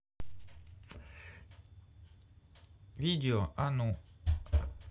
видео а ну